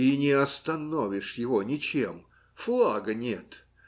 И не остановишь его ничем: флага нет.